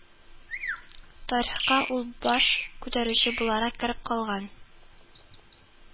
Тарихка ул баш күтәрүче буларак кереп калган